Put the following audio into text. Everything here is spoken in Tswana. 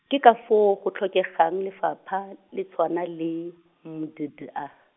ke ka foo go tlhokegang lefapha, le tshwana le, M D D A.